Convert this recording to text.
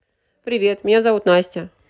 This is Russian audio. привет меня зовут настя